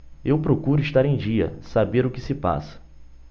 eu procuro estar em dia saber o que se passa